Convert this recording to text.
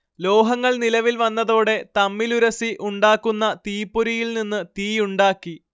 ലോഹങ്ങൾ നിലവിൽ വന്നതോടെ തമ്മിലുരസി ഉണ്ടാക്കുന്ന തീപൊരിയിൽനിന്ന് തീയുണ്ടാക്കി